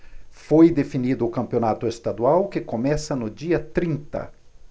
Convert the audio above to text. foi definido o campeonato estadual que começa no dia trinta